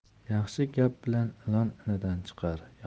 yaxshi gap bilan ilon inidan chiqar